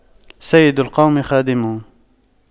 سيد القوم خادمهم